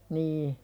niin